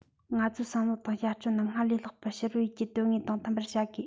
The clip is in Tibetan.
ང ཚོའི བསམ བློ དང བྱ སྤྱོད རྣམས སྔར ལས ལྷག པར ཕྱི རོལ ཡུལ གྱི དོན དངོས དང མཐུན པར བྱ དགོས